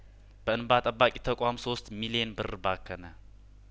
በእንባ ጠባቂ ተቋም ሶስት ሚሊየን ብር ባከነ